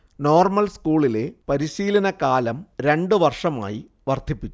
normal സ്കൂളിലെ പരിശീലനകാലം രണ്ടു വർഷമായി വർധിപ്പിച്ചു